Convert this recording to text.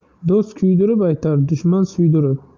do'st kuydirib aytar dushman suydirib